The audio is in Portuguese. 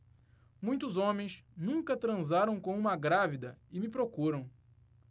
muitos homens nunca transaram com uma grávida e me procuram